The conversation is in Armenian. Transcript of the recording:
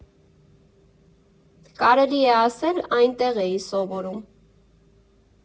Կարելի է ասել՝ այնտեղ էի սովորում։